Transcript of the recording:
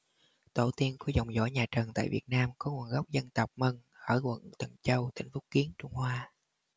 tổ tiên của dòng dõi nhà trần tại việt nam có nguồn gốc dân tộc mân ở quận tần châu tỉnh phúc kiến trung hoa